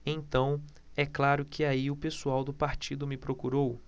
então é claro que aí o pessoal do partido me procurou